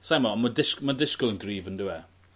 Sai 'mo' ma' dish- ma'n disgwl yn gryf on'd yw e?